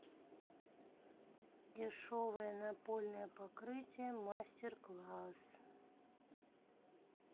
дешевое напольное покрытие мастер класс